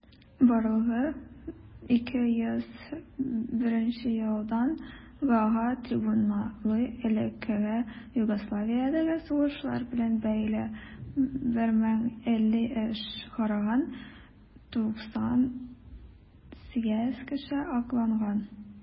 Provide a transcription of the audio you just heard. Барлыгы 2001 елдан Гаага трибуналы элеккеге Югославиядәге сугышлар белән бәйле 150 эш караган; 38 кеше акланган.